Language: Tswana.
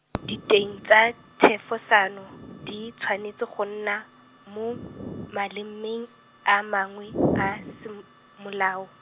diteng tsa thefosano, di tshwanetse go nna, mo, malemeng, a mangwe, a, sem- molao.